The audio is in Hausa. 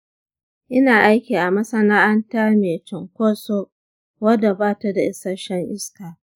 ina aiki a masana’anta mai cunkoso wadda ba ta da isasshen iska.